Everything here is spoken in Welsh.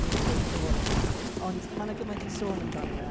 Neu ddown ni nôl atat ti. Ond ma' 'na gymaint i sôn amdano fe